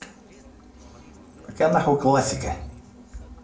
какая нахуй классика